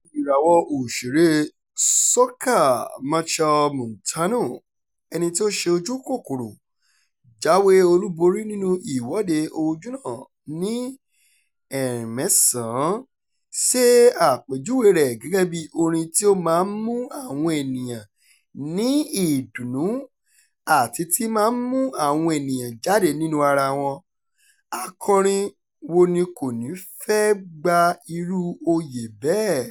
Ìràwọ̀ òṣèrée soca Machel Montano, ẹni tí ó ṣe ojúkòkòrò jáwé olúborí nínú Ìwọ́de Ojúnà ní ẹ̀rìnmẹ́sàn-án, ṣe àpèjúwe rẹ̀ gẹ́gẹ́ bí "orin tí ó máa ń mú àwọn ènìyàn ní ìdùnnú àti tí máa ń mú àwọn ènìyàn jáde nínú ara wọn" — akọrin wo ni kò ní fẹ́ gba irú oyè bẹ́ẹ̀?